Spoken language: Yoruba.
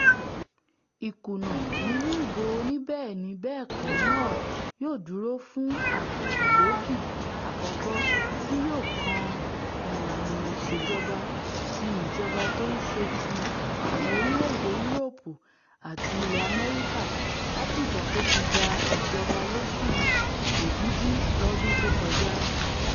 Ìkùnà nínú ìbò oníbẹ́ẹ̀ni-bẹ́ẹ̀kọ́ náà yóò duro fún àbùkù gbòógì àkọ́kọ́ tí yóò kan ìlànà ìṣèjọba ti ìjọba tó ńṣeti awọn orílẹ̀-èdè Yuroopu ati ilẹ Amẹ́ríkà látígbà tóti gba ìjọba lóṣù Ẹ̀bibi lọ́dún tó kọjá.